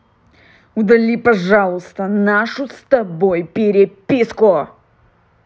удали пожалуйста нашу с тобой переписку